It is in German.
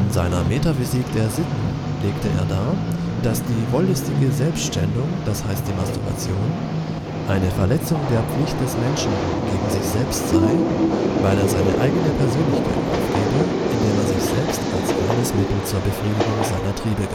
seiner Metaphysik der Sitten legt er dar, dass die „ wohllüstige Selbstschändung “(d. h. die Masturbation) eine Verletzung der Pflicht des Menschen gegen sich selbst sei, weil er seine eigene Persönlichkeit aufgebe, indem er sich selbst als reines Mittel zur Befriedigung seiner Triebe